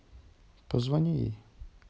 позвони ей